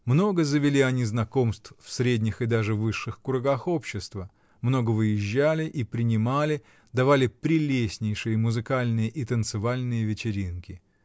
много завели они знакомств в средних и даже высших кругах общества, много выезжали и принимали, давали прелестнейшие музыкальные и танцевальные вечеринки.